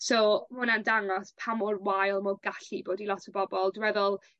So ma' wnna'n dangos pa mor wael m'o gallu bod i lot o bobol dwi meddwl